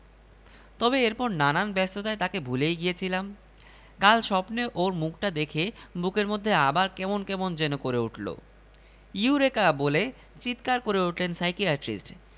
থম মেরে আছেন উগান্ডার মন্ত্রী নিজের গুম হয়ে যাওয়ার রহস্য বুঝতে পেরে কিছুটা স্বস্তিও অবশ্য পাচ্ছেন সাইকিয়াট্রিস্টকে ধন্যবাদ দিয়ে বিদায় নিতে যাবেন দরজা থেকে ঘুরে দাঁড়ালেন